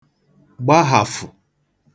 gbahàfụ̀